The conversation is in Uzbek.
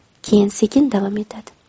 keyin sekin davom etadi